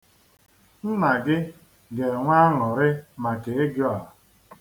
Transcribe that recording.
Nna gị ga-enwe aṅụrị maka ego a.